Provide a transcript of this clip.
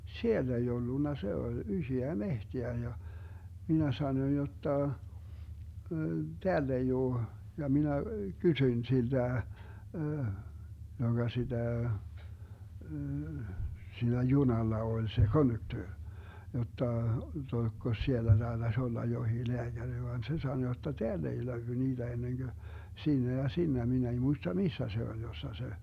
siellä ei ollut se oli isoa metsää ja minä sanoin jotta täällä ei ole ja minä kysyin siltä joka sitä siinä junalla oli se konduktööri jotta - olisikos siellä taitaisi olla jokin lääkäri vaan se sanoi jotta täällä ei löydy niitä ennen kuin siinä ja siinä minä ei muista missä se oli jossa se